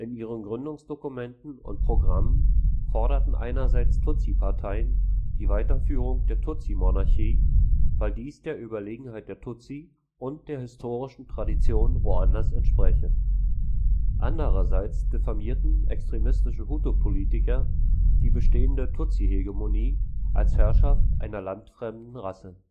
ihren Gründungsdokumenten und Programmen forderten einerseits Tutsi-Parteien die Weiterführung der Tutsi-Monarchie, weil dies der Überlegenheit der Tutsi und der historischen Tradition Ruandas entspräche. Andererseits diffamierten extremistische Hutu-Politiker die bestehende Tutsi-Hegemonie als Herrschaft einer landfremden Rasse